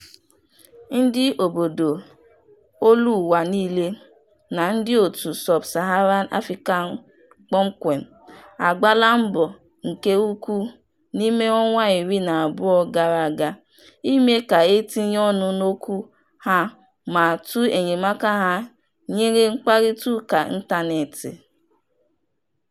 Ndị obodo Global Voices, na ndịòtù Sub-Saharan Africa kpọmkwem, agbaala mbọ nke ukwuu n'ime ọnwa iri na abụọ gara aga ime ka e tinye ọnụ n'okwu ha ma too enyemaka ha nyere mkparịtaụka ịntaneetị.